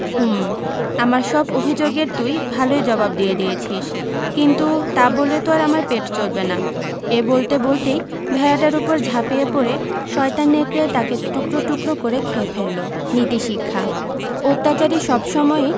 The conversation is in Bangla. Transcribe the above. হুম আমার সব অভিযোগ এর তুই ভালই জবাব দিয়ে দিয়েছিস কিন্তু তা বললে তো আর আমার পেট চলবে না এই বলতে বলতেই ভেড়াটার উপর ঝাঁপিয়ে পড়ে শয়তান নেকড়ে তাকে টুকরো টুকরো করে খেয়ে ফেলল নীতিশিক্ষাঃ অত্যাচারী সবসময়ই